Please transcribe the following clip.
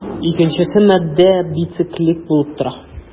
Икенчесе матдә бициклик булып тора.